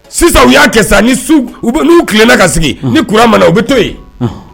Sisan u y'a kɛ ni n'u tilenna ka sigi niuran mara u bɛ to yen